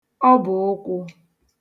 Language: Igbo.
ọbụ̀ụkwụ̄